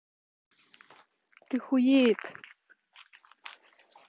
ты хуеет